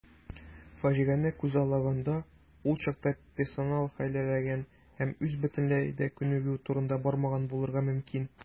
Фаҗигане күзаллаганда, ул чакта персонал хәйләләгән һәм сүз бөтенләй дә күнегү турында бармаган булырга мөмкин.